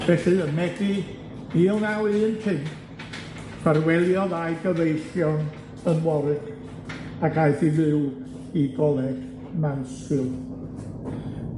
Felly, ym Medi mil naw un pump, ffarweliodd â'i gyfeillion yn Warwick ac aeth i fyw i goleg Mansfield.